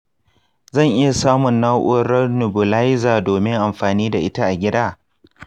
zan iya samun na’urar nebulizer domin amfani da ita a gida?